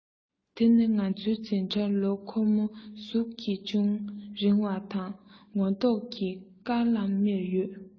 དི ནི ང ཚོའི འཛིན གྲྭ ལ ཁོ མོའི གཟུགས ནི ཅུང རིང བ དང ངོ མདོག ནི དཀར ལམ མེར ཡོད